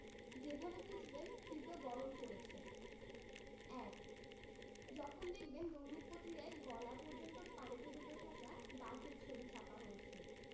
যেভাবে বুঝবেন তীব্র গরম পড়েছে ১. যখন দেখবেন দৈনিক পত্রিকায় গলা পর্যন্ত পানিতে ডুবে থাকা বাঘের ছবি ছাপা হয়েছে